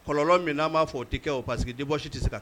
Kɔlɔnlɔ min n' b'a fɔ'o tɛ kɛ o parceri que dibo si tɛ se kan